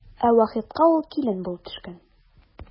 Ә Вахитка ул килен булып төшкән.